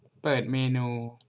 เปิดเมนู